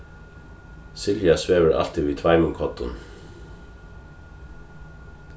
silja svevur altíð við tveimum koddum